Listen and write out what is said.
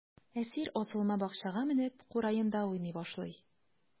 Әсир асылма бакчага менеп, кураенда уйный башлый.